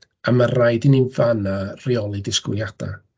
A maen raid i ni'n fan'na reoli disgwyliadau.